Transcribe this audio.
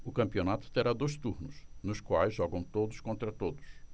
o campeonato terá dois turnos nos quais jogam todos contra todos